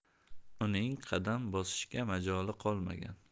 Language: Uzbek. uning qadam bosishga majoli qolmagan